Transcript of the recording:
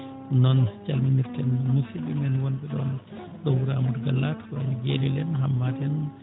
noon calminirten musidɓe men wonɓe ɗoon ɗo wuro Amadou Bella to Guelel en Hammat en